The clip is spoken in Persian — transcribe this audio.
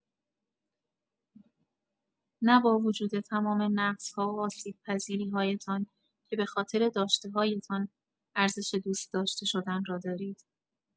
نه با وجود تمام نقص‌ها و آسیب‌پذیری‌هایتان، که به‌خاطر داشته‌هایتان ارزش دوست‌داشته‌شدن را دارید.